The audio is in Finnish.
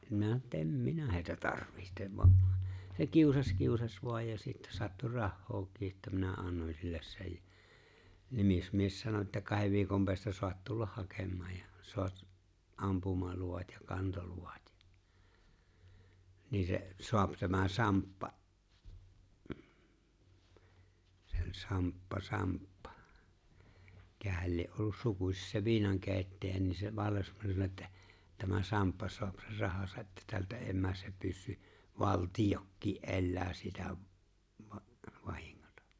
minä että en minä heitä tarvitse vaan se kiusasi kiusasi vain ja sitten sattui rahaakin että minä annoin sille sen ja nimismies sanoi että kahden viikon päästä saat tulla hakemaan ja saat ampumaluvat ja kantoluvat ja niin se saa tämä Samppa - se oli Samppa Samppa mikähän lie ollut sukuisin se viinankeittäjä niin se vallesmanni sanoi että tämä Samppa saa sen rahansa että tältä ei mene se pyssy valtiokin elää siltä - vahingot